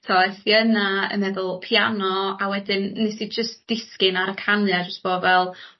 so es i yna yn meddwl piano a wedyn nes i jyst disgyn ar y canu a jys bo' fel